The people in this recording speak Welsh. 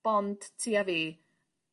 bond ti a fi.